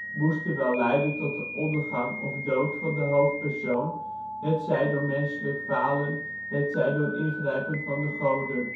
moesten wel leiden tot de ondergang of dood van de hoofdpersoon, hetzij door menselijk falen of door ingrijpen van de goden